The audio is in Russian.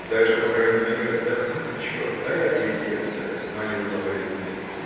-- Дай же по крайней мере отдохнуть, черт; дай оглядеться, -- молил Лаврецкий.